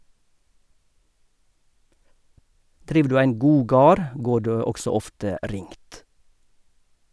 Driv du ein god gard, går det også ofte ringt.